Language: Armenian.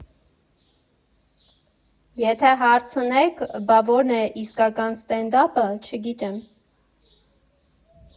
Եթե հարցնեք՝ բա որն է իսկական ստենդափը, չգիտեմ։